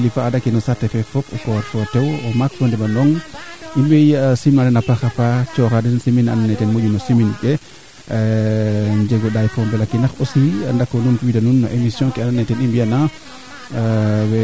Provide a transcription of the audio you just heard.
dabors manaam no kee wetan woona no mo of fiin walal maam korofiin wala baaba yiin nam refu nee ando naye naaga nu tan toogu xa qola xe ando naye ten nu mbaru mbaago ndiigito yo